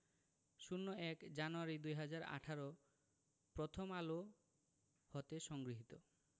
০১ জানুয়ারি ২০১৮ প্রথম আলো হতে সংগৃহীত